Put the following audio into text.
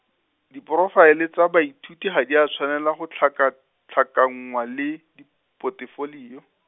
diporofaele tsa baithuti ga di a tshwanelwa go tlhakatlhakanngwa le, dip- potefolio.